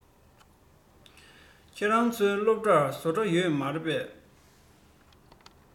ཁྱོད རང ཚོའི སློབ གྲྭར བཟོ གྲྭ ཡོད མ རེད པས